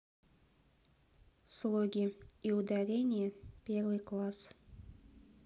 слоги и ударения первый класс